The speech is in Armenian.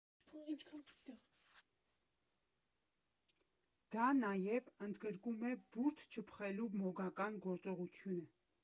Դա նաև ընդգրկում է բուրդ չփխելու մոգական գործողությունը։